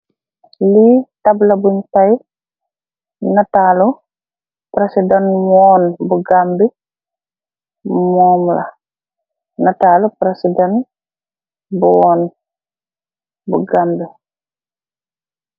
Li tablo bung tay netalu president woon bu Gambie moom la netali president bu woon bu Gambie.